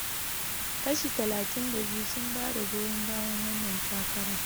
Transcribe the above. Kashi talatin da biyu sun ba da goyon bayan wannan takaran.